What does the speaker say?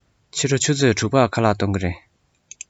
ཕྱི དྲོ ཆུ ཚོད དྲུག པར ཁ ལག གཏོང གི རེད